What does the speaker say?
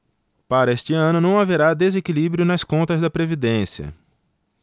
para este ano não haverá desequilíbrio nas contas da previdência